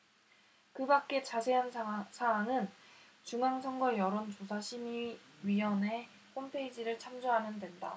그밖의 자세한 사항은 중앙선거여론조사심의위원회 홈페이지를 참조하면 된다